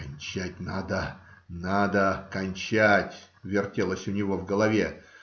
"Кончать надо, надо кончать!" - вертелось у него в голове.